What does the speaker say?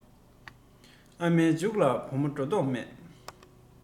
ཨ མའི མཇུག ལ བུ མོ འགྲོ མདོག མེད